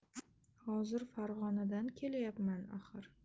hozir farg'onadan kelyapman axir